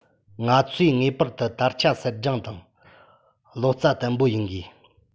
ང ཚོས ངེས པར དུ དར ཆ གསལ བསྒྲེངས དང བློ རྩ བརྟན པོ ཡིན དགོས